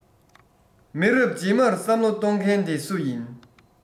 མི རབས རྗེས མར བསམ བློ གཏོང མཁན དེ སུ ཡིན